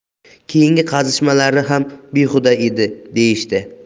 keyingi qazishmalari ham behuda edi deyishdi